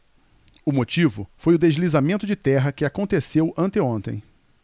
o motivo foi o deslizamento de terra que aconteceu anteontem